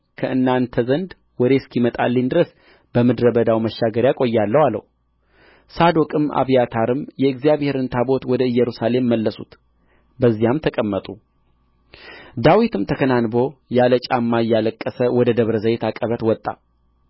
ከእናንተ ዘንድ ወሬ እስኪመጣልኝ ድረስ በምድረ በዳው መሻገርያ እቆያለሁ አለው ሳዶቅም አብያታርም የእግዚአብሔርን ታቦት ወደ ኢየሩሳሌም መለሱት በዚያም ተቀመጡ ዳዊትም ተከናንቦ ያለ ጫማ እያለቀሰ ወደ ደብረ ዘይት ዐቀበት ወጣ